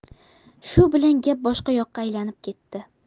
shu bilan gap boshqa yoqqa aylanib ketdi